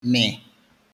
mị̀